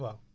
waa